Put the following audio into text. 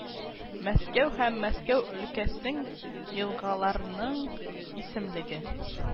Мәскәү һәм Мәскәү өлкәсең елгаларның исемлеге